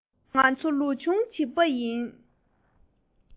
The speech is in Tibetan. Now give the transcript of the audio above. ང ཚོ ལོ ཆུང བྱིས པ ཡིན